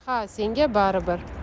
ha senga baribir